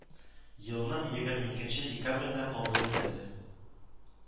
Елның егерме икенче декабрендә кабул ителде